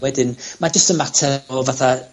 ...wedyn, ma' jyst y mater o fatha...